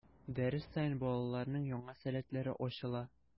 Дәрес саен балаларның яңа сәләтләре ачыла.